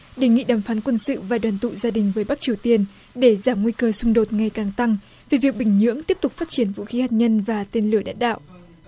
đề nghị đàm phán quân sự và đoàn tụ gia đình với bắc triều tiên để giảm nguy cơ xung đột ngày càng tăng về việc bình nhưỡng tiếp tục phát triển vũ khí hạt nhân và tên lửa đạn đạo